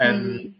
...yym